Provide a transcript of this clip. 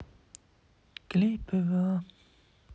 клей пва